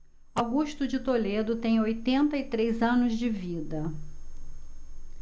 augusto de toledo tem oitenta e três anos de vida